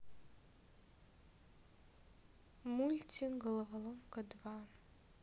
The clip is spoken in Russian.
мультик головоломка два